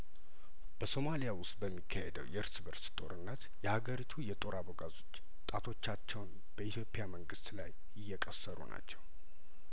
በሶማሊያውስጥ በሚካሄደው የእርስ በእስር ጦርነት የሀገሪቱ የጦር አበጋዞች ጣቶቻቸውን በኢትዮፕያመንግስት ላይ እየቀሰሩ ናቸው